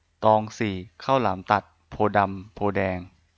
ตองสี่ข้าวหลามตัดโพธิ์ดำโพธิ์แดง